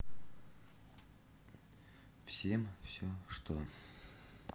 всем все что